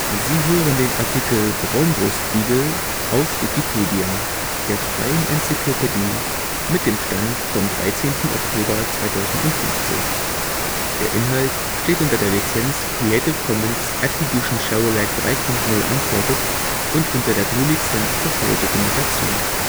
Sie hören den Artikel Braunbrustigel, aus Wikipedia, der freien Enzyklopädie. Mit dem Stand vom Der Inhalt steht unter der Lizenz Creative Commons Attribution Share Alike 3 Punkt 0 Unported und unter der GNU Lizenz für freie Dokumentation